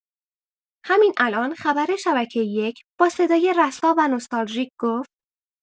همین الان خبر شبکۀ یک با صدای رسا و نوستالژیک گفت؛